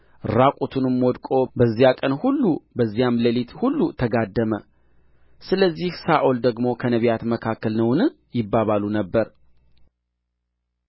ራቁቱንም ወድቆ በዚያ ቀን ሁሉ በዚያም ሌሊት ሁሉ ተጋደመ ስለዚህ ሳኦል ደግሞ ከነቢያት መካከል ነውን ይባባሉ ነበር